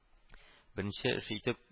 Беренче эше итеп